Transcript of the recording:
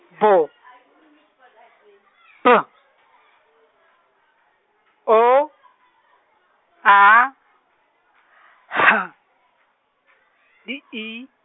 B, P , O, A, H, le I.